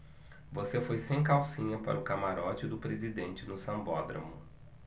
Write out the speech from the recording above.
você foi sem calcinha para o camarote do presidente no sambódromo